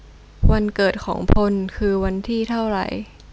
วันเกิดของพลคือวันที่เท่าไร